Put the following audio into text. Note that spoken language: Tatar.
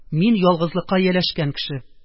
Мин – ялгызлыкка ияләшкән кеше